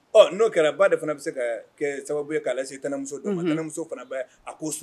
Ɔ n'o kɛra ba de fana bɛ se ka sababu ye k' tɛnɛmusoɛnɛmuso fana bɛɛ a k'o sun